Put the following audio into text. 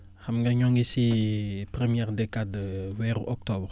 xam nga ñoo ngi si première decade weeru octobre